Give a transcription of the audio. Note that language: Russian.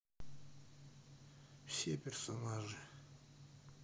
все персонажи